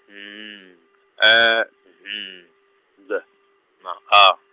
N, E, N, G na A.